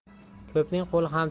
ko'pning qo'li ham